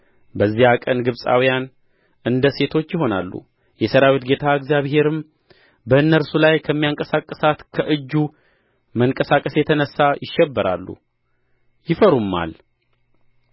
በዚያ ቀን ግብጻውያን እንደ ሴቶች ይሆናሉ የሠራዊት ጌታ እግዚአብሔርም በእነርሱ ላይ ከሚያንቀሳቅሳት ከእጁ መንቀሳቀስ የተነሣ ይሸበራሉ ይፈሩማል